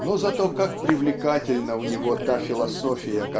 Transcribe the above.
Но зато как привлекательна у него та философия